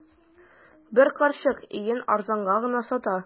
Бер карчык өен арзанга гына сата.